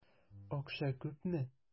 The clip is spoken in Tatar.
Акча күпме?